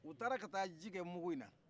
u taara ka taa ji kɛ mungu in na